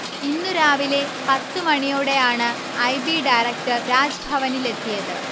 ഇന്നു രാവിലെ പത്തു മണിയോടെയാണ് ഐ. B director രാജ്ഭവനിലെത്തിയത്